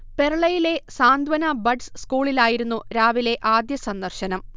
പെർളയിലെ Santhwana buds സ്കൂളിലായിരുന്നു രാവിലെ ആദ്യ സന്ദർശനം